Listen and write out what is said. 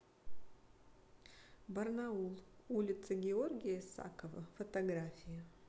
барнаул улица георгия исакова фотографии